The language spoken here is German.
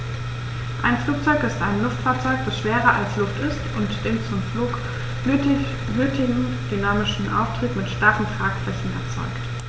Ein Flugzeug ist ein Luftfahrzeug, das schwerer als Luft ist und den zum Flug nötigen dynamischen Auftrieb mit starren Tragflächen erzeugt.